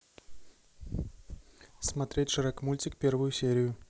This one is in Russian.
смотреть шрек мультик первую серию